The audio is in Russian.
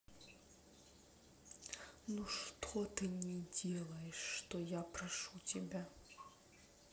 ну что ты не делаешь что я прошу тебя